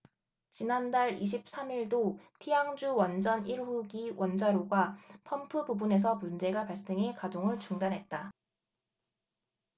지난달 이십 삼 일도 티앙주 원전 일 호기 원자로가 펌프 부분에서 문제가 발생해 가동을 중단했다